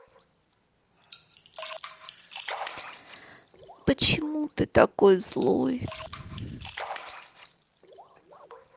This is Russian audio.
почему ты такой злой